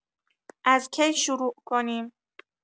از کی شروع کنیم؟